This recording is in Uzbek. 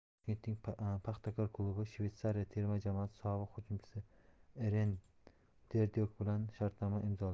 toshkentning paxtakor klubi shveysariya terma jamoasi sobiq hujumchisi eren derdiyok bilan shartnoma imzoladi